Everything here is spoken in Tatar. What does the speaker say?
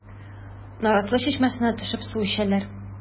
Наратлы чишмәсенә төшеп су эчәләр.